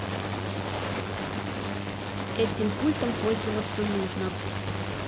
этим пультом пользоваться нужно